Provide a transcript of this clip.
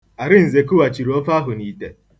Arinze kughachiri ofe ahụ n'ite.